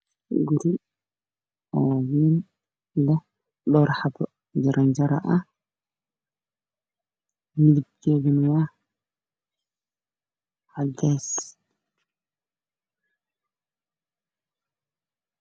Waa guri weyn oo leh dhowr xabo oo jaraanjaro ah